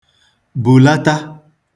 bùlata